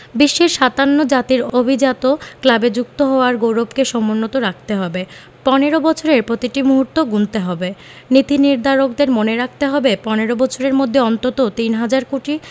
বিশ্বের ৫৭ জাতির অভিজাত ক্লাবে যুক্ত হওয়ার গৌরবকে সমুন্নত রাখতে হবে ১৫ বছরের প্রতিটি মুহূর্ত গুনতে হবে নীতিনির্ধারকদের মনে রাখতে হবে ১৫ বছরের মধ্যে অন্তত তিন হাজার কোটি